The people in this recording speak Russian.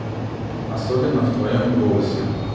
особенно в твоем голосе